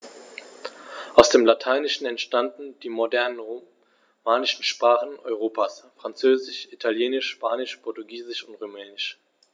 Aus dem Lateinischen entstanden die modernen „romanischen“ Sprachen Europas: Französisch, Italienisch, Spanisch, Portugiesisch und Rumänisch.